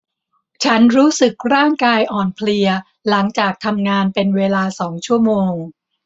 ฉันรู้สึกร่างกายอ่อนเพลียหลังจากทำงานหลังเป็นเวลาสองชั่วโมง